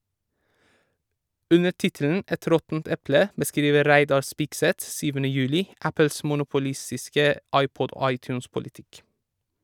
Under tittelen «Et råttent eple» beskriver Reidar Spigseth 7. juli Apples monopolistiske iPod- og iTunes-politikk.